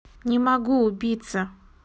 не могу убийца